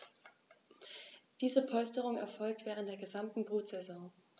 Diese Polsterung erfolgt während der gesamten Brutsaison.